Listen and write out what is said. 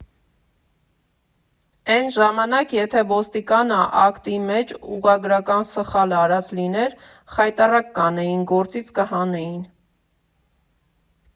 Էն ժամանակ եթե ոստիկանը ակտի մեջ ուղղագրական սխալ արած լիներ՝ խայտառակ կանեին, գործից կհանեին։